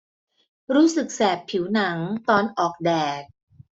รู้สึกแสบผิวหนังตอนออกแดด